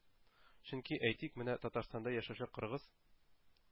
Чөнки, әйтик, менә Татарстанда яшәүче кыргыз,